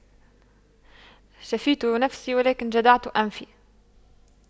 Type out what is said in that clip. شفيت نفسي ولكن جدعت أنفي